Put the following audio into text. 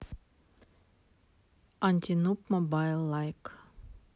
antinoob мобайл лайк